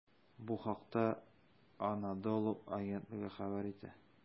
Бу хакта "Анадолу" агентлыгы хәбәр итә.